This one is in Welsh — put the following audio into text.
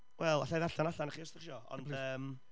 Wel, alla i ddarllen o allan i chi os dach chi isio... ia plîs. ...ond yym.